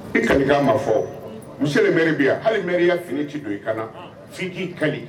I kalikan ma fɔ o monsieur le maire bi yan hali maire ya fini ti don i kanna f'i k'i kale